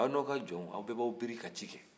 aw n'aw ka jɔnw aw bɛɛ b'aw biri ka ci kɛ